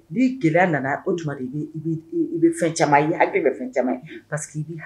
Ni gɛlɛya nana o tuma de i i bɛ fɛn caman ye ale bɛ bɛ fɛn caman ye paseke i